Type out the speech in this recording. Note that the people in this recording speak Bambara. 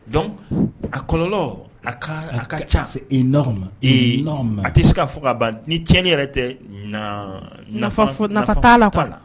Don a kɔlɔ a a ka ca ma a tɛ se ka fɔ ka ban ni cɛnɲɛni yɛrɛ tɛ na nafa'a la